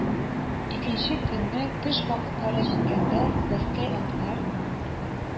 Икенче көнне, төш вакытлары җиткәндә, Вәскәй атлар